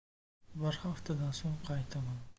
bir haftadan so'ng qaytaman